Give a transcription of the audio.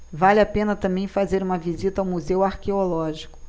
vale a pena também fazer uma visita ao museu arqueológico